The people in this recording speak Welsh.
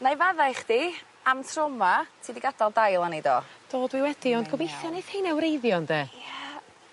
'Nai fadda i chdi am tro 'ma, ti di gadael dail ani do? Do dwi wedi ond gobeithio neith heina wreiddio ynde? Ia.